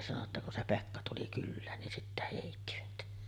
sanoi jotta kun se Pekka tuli kylään niin sitten heittivät